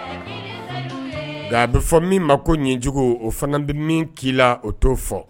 Nka a bɛ fɔ min ma ko ɲijugu o fana bɛ min k'i la o t' oo fɔ